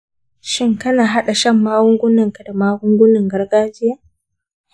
shin kana haɗa shan magungunanka da magungunan gargajiya?